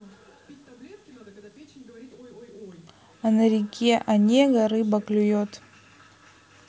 а на реке онега рыба клюет